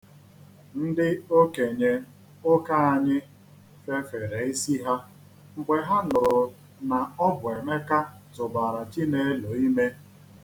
Ndị okenye ụka anyị fefere isi ha mgbe ha nụrụ na ọ bụ Emeka tụbara Chinelo ime.